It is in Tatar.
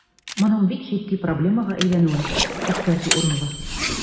Моның бик җитди проблемага әйләнүен искәртү урынлы.